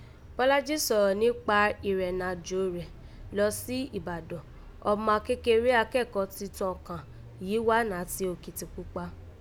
Bọ́láji sọ̀rọ̀ níkpa ìrẹ̀nàjò rẹ̀ lọ sí Ìbàdàn, ọma kékeré akẹ́kọ̀ọ́ titọn kàn yìí wá nàti Òkìtìpupa